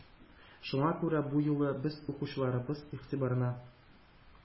Шуңа күрә бу юлы без укучыларыбыз игътибарына